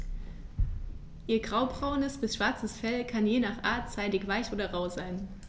Ihr graubraunes bis schwarzes Fell kann je nach Art seidig-weich oder rau sein.